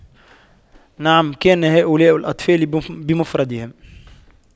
نعم كان هؤلاء الأطفال بمفردهم